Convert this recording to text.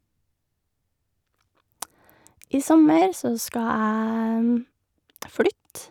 I sommer så skal jeg flytte.